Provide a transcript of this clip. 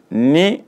Ni